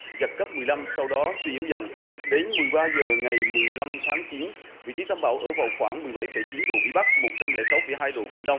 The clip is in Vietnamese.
giật cấp mười lăm sau đó suy yếu dần đến mười ba giờ ngày mười lăm tháng chín vị trí tâm bão ở vào khoảng mười bảy phẩy chín độ vĩ bắc một trăm lẻ sáu phẩy hai độ kinh đông